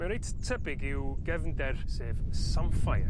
Mae reit tebyg i'w gefnder sef samphire.